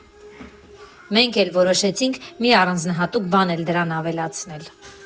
Մենք էլ որոշեցինք մի առանձնահատուկ բան էլ դրան ավելացնել։